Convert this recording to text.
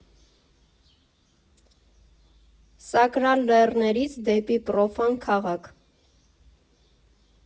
ՍԱԿՐԱԼ ԼԵՌՆԵՐԻՑ ԴԵՊԻ ՊՐՈՖԱՆ ՔԱՂԱՔ.